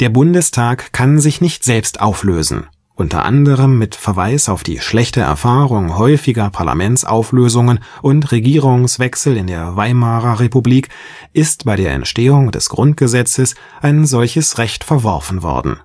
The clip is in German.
Bundestag kann sich nicht selbst auflösen. Unter anderem mit Verweis auf die schlechte Erfahrung häufiger Parlamentsauflösungen und Regierungswechsel in der Weimarer Republik ist bei der Entstehung des Grundgesetzes ein solches Recht verworfen worden